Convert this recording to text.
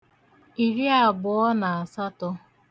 ìriàbụ̀ọ nà àsatọ̄